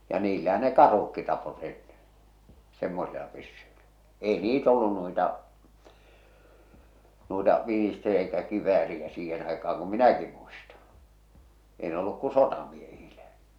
ja niillähän ne karhutkin tappoivat ennen semmoisilla pyssyillä ei niitä ollut noita noita - eikä kivääriä siihen aikaan kun minäkin muista ei ne ollut kun sotamiehillä